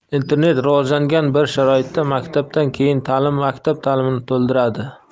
internet rivojlangan bir sharoitda maktabdan keyin ta'lim maktab ta'limini to'ldiradi